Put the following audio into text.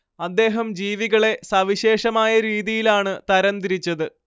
അദ്ദേഹം ജീവികളെ സവിശേഷമായ രീതിയിലാണു തരം തിരിച്ചത്